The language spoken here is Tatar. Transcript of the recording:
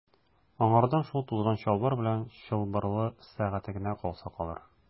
Аңардан шул тузган чалбар белән чылбырлы сәгате генә калса калыр.